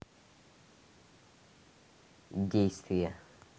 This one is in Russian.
действие